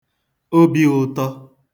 obiụ̄tọ̄